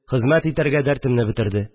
Хезмәт итәргә дәртемне бетерде